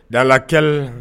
Dalakɛla